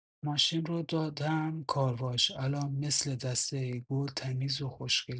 ماشین رو دادم کارواش، الان مثل دسته‌گل تمیز و خوشگله.